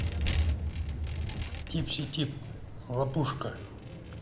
типси тип хлопушка